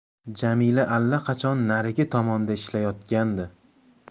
jamila allaqachon narigi tomonda ishlayotgandi